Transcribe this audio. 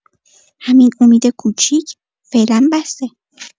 همین امید کوچیک فعلا بسه.